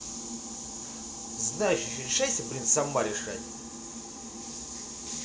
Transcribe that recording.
знаешь еще решайся блин сама решать